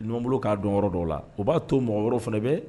N ɲɔgɔn bolo k'a dɔn yɔrɔ dɔw la o b'a to mɔgɔ yɔrɔ fana bɛ